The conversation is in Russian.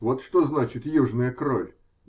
-- Вот что значит южная кровь!